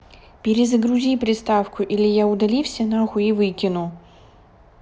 перезагрузи приставку или я удали все нахуй и выкину